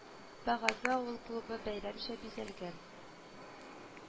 Багазы авыл клубы бәйрәмчә бизәлгән